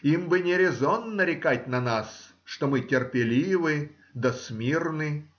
им бы не резон нарекать на нас, что мы терпеливы да смирны.